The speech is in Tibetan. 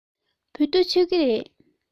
བོད ཐུག མཆོད ཀྱི རེད